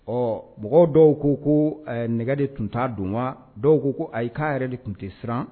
Ɔ mɔgɔw dɔw ko ko nɛgɛ de tun t'a don wa dɔw ko ko ayi k'a yɛrɛ de tun tɛ siran